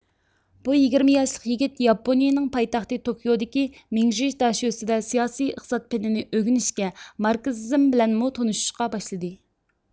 بۇ يىگىرمە ياشلىق يىگىت ياپونىيىنىڭ پايتەختى توكيودىكى مىڭجىژ داشۆسىدە سىياسىي ئىقتىساد پېنىنى ئۆگىنىشكە ماركسىزم بىلەنمۇ تونۇشۇشقا باشلىدى